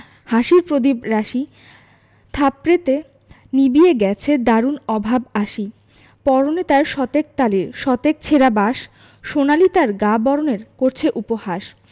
হাসির প্রদীপ রাশি থাপড়েতে নিবিয়ে গেছে দারুণ অভাব আসি পরনে তার শতেক তালির শতেক ছেঁড়া বাস সোনালি তার গা বরণের করছে উপহাস